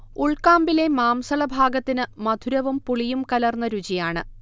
ഉൾക്കാമ്പിലെ മാംസളഭാഗത്തിന് മധുരവും പുളിയും കലർന്ന രുചിയാണ്